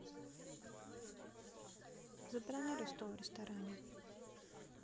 забронируй стол в ресторане